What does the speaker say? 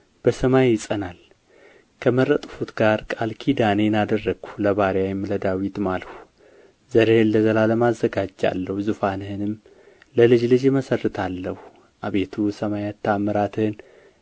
በሰማይ ይጸናል ከመረጥሁት ጋር ቃል ኪዳኔን አደረግሁ ለባሪያዬም ለዳዊት ማልሁ ዘርህን ለዘላለም አዘጋጃለሁ ዙፋንህንም ለልጅ ልጅ እመሠርታለሁ አቤቱ ሰማያት ተኣምራትህን